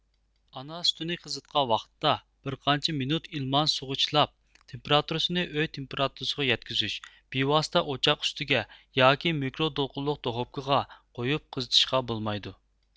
ئانا سۈتىنى قىزىتقان ۋاقىتتا بىرقانچە مىنۇت ئىلمان سۇغا چىلاپ تېمپېراتۇرىسىنى ئۆي تېمپېراتۇرىسىغا يەتكۈزۈش بىۋاسىتە ئوچاق ئۈستىگە ياكى مىكرو دولقۇنلۇق دوخۇپكىغا قويۇپ قىزىتىشقا بولمايدۇ